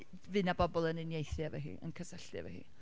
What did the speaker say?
Fydd 'na bobl yn uniaethu efo hi, yn cysylltu efo hi.